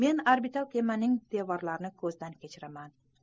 men orbital kemaning devorlarini ko'zdan kechiraman